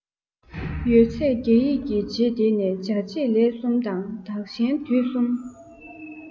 ཡོད ཚད རྒྱ ཡིག གི རྗེས དེད ནས བྱ བྱེད ལས གསུམ དང བདག གཞན དུས གསུམ